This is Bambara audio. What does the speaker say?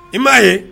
I m'a ye